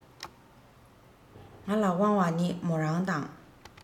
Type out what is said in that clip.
ང ལ དབང བ ནི མོ རང དང